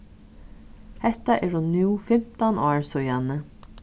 hetta eru nú fimtan ár síðani